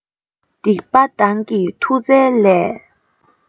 སྡིག པ དང ནི མཐུ རྩལ ལས